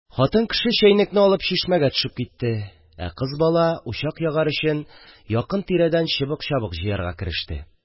Хатын кеше чәйнекне алып чишмәгә төшеп китте, ә кыз бала учак ягар өчен якын-тирәдән чыбык-чабык җыярга кереште.